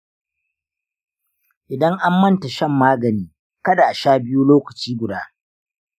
idan an manta shan magani, kada a sha biyu lokaci guda.